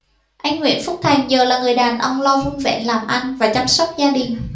anh nguyễn phúc thành giờ là người đàn ông lo vun vén làm ăn và chăm sóc gia đình